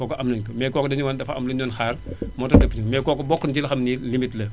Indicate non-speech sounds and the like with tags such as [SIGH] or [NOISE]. kooko am nañu ko mais kooku dañ waxoon dafa am luñu doon xaar [NOISE] moo tax * mais kooku bokk na si li nga xam ne nii limite la